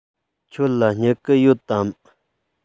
ཁྱོད ལ སྨྱུ གུ ཡོད དམ